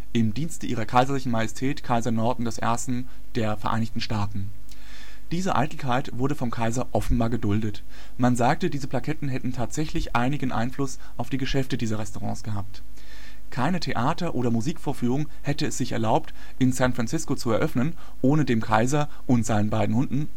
Im Dienste Ihrer Kaiserlichen Majestät, Kaiser Norton I. der Vereinigten Staaten “. Diese Eitelkeit wurde vom Kaiser offenbar geduldet. Man sagt, diese Plaketten hätten tatsächlich einigen Einfluss auf die Geschäfte dieser Restaurantes gehabt. Keine Theater - oder Musikvorführung hätte es sich erlaubt, in San Francisco zu eröffnen, ohne dem Kaiser und seinen beiden Hunden